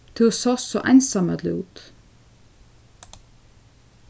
tú sást so einsamøll út